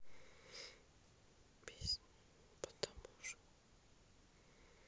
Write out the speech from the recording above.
песня потомушка